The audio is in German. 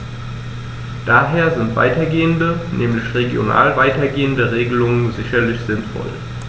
Daher sind weitergehende, nämlich regional weitergehende Regelungen sicherlich sinnvoll.